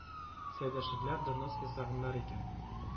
Сәйдәшевләр донос ясаганнар икән,